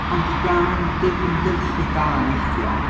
Ond i gael ymg- ymgyrchu da weithiau...